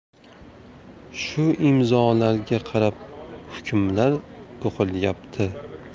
shu imzolarga qarab hukmlar o'qilyapti